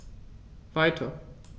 Weiter.